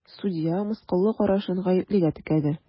Судья мыскыллы карашын гаеплегә текәде.